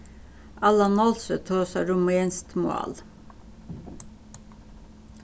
allan nolsøe tosar rumenskt mál